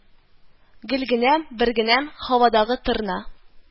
Гөлгенәм бергенәм Һавадагы торна